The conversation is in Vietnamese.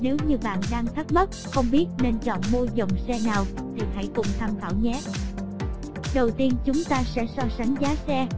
nếu như bạn đang thắc mắc không biết nên chọn mua dòng xe nào thì hãy cùng tham khảo nhé đầu tiên chúng ta sẽ so sánh giá xe